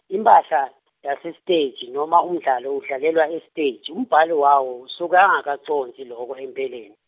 imphahla, yasesiteji noma umdlalo udlalelwa esiteji, umbhali wawo usuke angakacondzi loko empeleni.